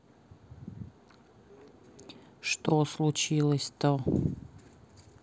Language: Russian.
что случилось то